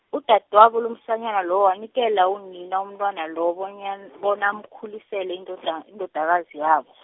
udadwabo lomsanyana loyo, wanikela unina umntwana loyo, bonyana bona amkhulisele indoda, indodakazi yabo.